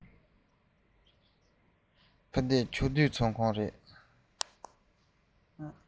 ཕ གི ཕྱོགས བསྡུས ཚོགས ཁང རེད